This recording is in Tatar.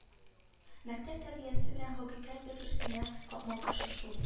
Мәктәп тәрбиясе белән хакыйкать бер-берсенә капмакаршы шул